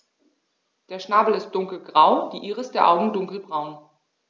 Der Schnabel ist dunkelgrau, die Iris der Augen dunkelbraun.